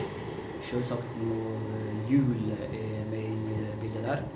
Sjølsagt når hjulet er med i bildet der.